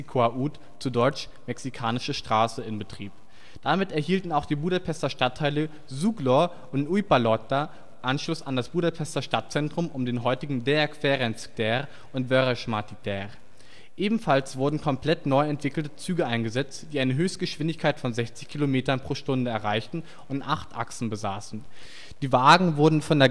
út (zu deutsch: Mexikostraße) in Betrieb. Damit erhielten auch die Budapester Stadtteile Zugló und Újpalota Anschluss an das Budapester Stadtzentrum um den heutigen Deák Ferenc tér und Vörösmarty tér. Ebenfalls wurden komplett neu entwickelte Züge eingesetzt, die eine Höchstgeschwindigkeit von 60 Kilometern pro Stunde erreichten und acht Achsen besaßen. Die Wagen wurden von